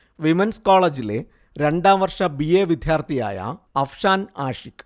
Women's കോളേജിലെ രണ്ടാം വർഷ ബി. എ. വിദ്യാർഥിയായ അഫ്ഷാൻ ആഷിഖ്